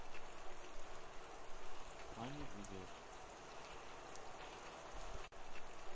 фанни видеос